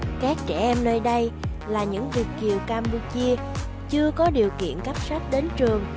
các trẻ em nơi đây là những việt kiều campuchia chưa có điều kiện cắp sách đến trường